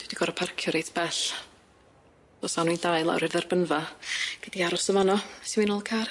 Dwi di goro' parcio reit bell, os awn ni'n dau lawr i'r dderbynfa gei di aros yn fanno nes i fi nôl y car.